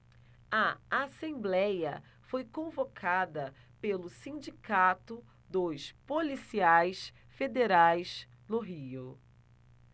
a assembléia foi convocada pelo sindicato dos policiais federais no rio